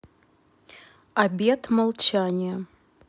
обет молчания